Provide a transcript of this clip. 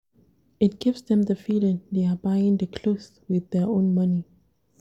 It gives them the feeling they are buying the clothes with their own money.